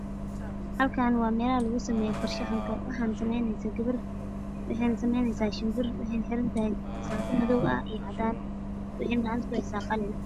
Halkaan waa meelaha lugu sameeyo farshaxanka waxaa sameyneyso gabar oo shibir sameyneyso. Waxay xiran tahay saako madow ah iyo cadaan. Gacantana waxay kuheysaa qalin.